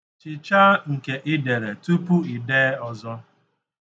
Chichaa nke i dere tupu i dee ọzọ.